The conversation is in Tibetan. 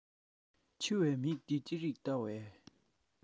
འཆི བའི མིག གིས ཅེ རེར བལྟ བའི